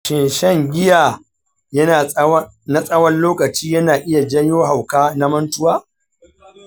shin shan giya na tsawon lokaci yana iya janyo hauka na mantuwa?